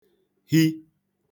hi